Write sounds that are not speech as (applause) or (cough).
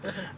(hesitation) (hesitation)